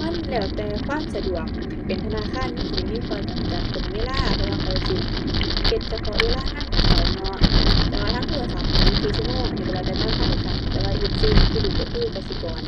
มันแล้วแต่ความสะดวก คันเป็นธนาคารมันสิมีข้อจำกัดตรงเวลา เพราะว่าเขาสิเฮ็ดเฉพาะเวลางานของเขาเนาะ แต่ว่าทางโทรศัพท์นี่ยี่สิบสี่ชั่วโมง อันนี้ก็แล้วแต่ธนาคารคือกัน แต่ว่ายี่สิบสี่นี่ที่รู้ก็คือกสิกร